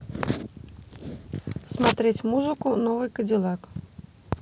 смотреть музыку новый кадиллак